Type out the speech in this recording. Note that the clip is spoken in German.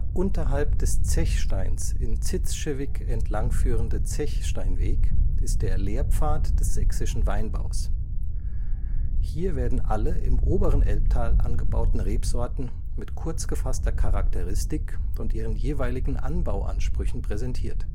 unterhalb des Zechsteins in Zitzschewig entlangführende Zechsteinweg ist der Lehrpfad des sächsischen Weinbaus. Hier werden alle im oberen Elbtal angebauten Rebsorten mit kurz gefasster Charakteristik und ihren jeweiligen Anbauansprüchen präsentiert